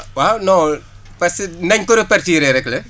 waaw non parce que nañ ko répartir rek la